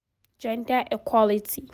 Gender equality